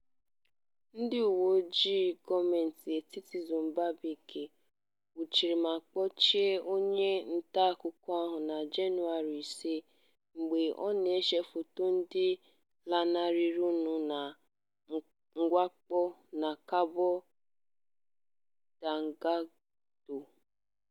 Ndị uweojii gọọmentị etiti Mozambique nwụchiri ma kpochie onye ntaakụkọ ahụ na Jenụwarị 5, mgbe ọ na-ese foto ndị lanarịrịnụ na mwakpo na Cabo Delgado.